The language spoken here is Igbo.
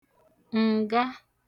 ǹga